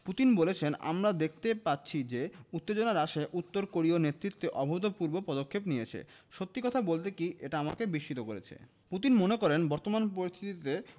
Putin বলেছেন আমরা দেখতেই পাচ্ছি যে উত্তেজনা হ্রাসে উত্তর কোরীয় নেতৃত্ব অভূতপূর্ণ পদক্ষেপ নিয়েছে সত্যি কথা বলতে কি এটা আমাকে বিস্মিত করেছে পুতিন মনে করেন বর্তমান পরিস্থিতিতে